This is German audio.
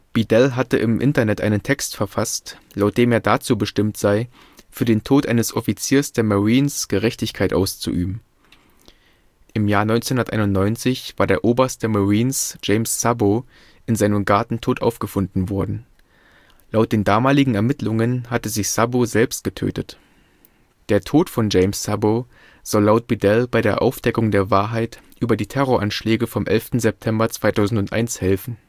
Bedell hatte im Internet einen Text verfasst, laut dem er dazu bestimmt sei, für den Tod eines Offiziers der Marines „ Gerechtigkeit auszuüben “. Im Jahr 1991 war der Oberst der Marines James Sabow in seinem Garten tot aufgefunden worden. Laut den damaligen Ermittlungen hatte sich Sabow selbst getötet. Der Tod von James Sabow soll laut Bedell bei der „ Aufdeckung der Wahrheit über die Terroranschläge vom 11. September 2001 “helfen